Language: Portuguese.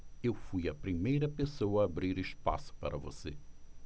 eu fui a primeira pessoa a abrir espaço para você